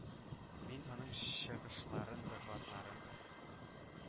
Мин аның чыгышларын, докладларын,